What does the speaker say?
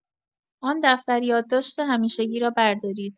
آن دفتر یادداشت همیشگی را بردارید.